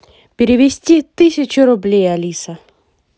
перевести тысячу рублей алиса